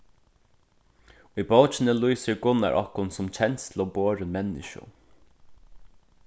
í bókini lýsir gunnar okkum sum kensluborin menniskju